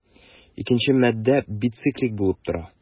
Икенчесе матдә бициклик булып тора.